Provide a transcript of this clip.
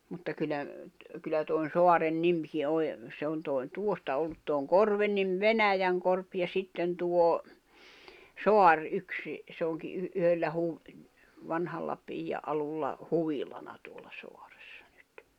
mutta kyllä kyllä tuon saaren nimikin oli se on tuon tuosta ollut tuon korven niin Venäjänkorpi ja sitten tuo saari yksi se onkin - yhdellä - vanhalla piian alulla huvilana tuolla saaressa nyt